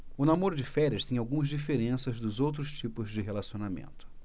o namoro de férias tem algumas diferenças dos outros tipos de relacionamento